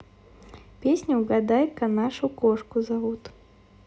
песня угадай ка нашу кошку зовут